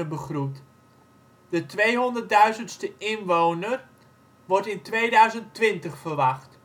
begroet. De 200-duizendste inwoner wordt in 2020 verwacht